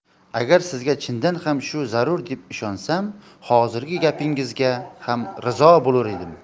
agar sizga chindan ham shu zarur deb ishonsam hozirgi gapingizga ham rizo bo'lur edim